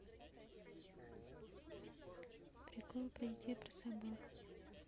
приколы про детей про собак